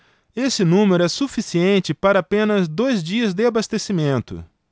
esse número é suficiente para apenas dois dias de abastecimento